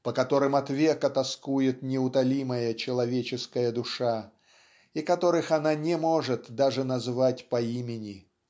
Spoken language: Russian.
по которым от века тоскует неутолимая человеческая душа и которых она не может даже назвать по имени.